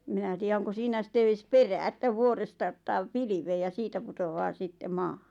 en minä tiedä onko siinä sitten edes perää että vuoresta ottaa pilveen ja siitä putoaa sitten maahan